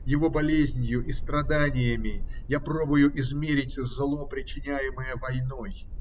Его болезнью и страданиями я пробую измерить зло, причиняемое войной.